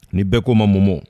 Ni bɛɛ ko ma munmu